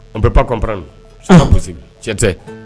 N bɛ pank kɔnp cɛ tɛ